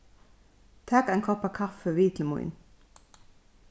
tak ein kopp av kaffi við til mín